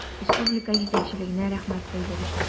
Республика җитәкчелегенә рәхмәт белдереп.